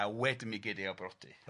A wedyn mi gei di ailbrodi. Reit.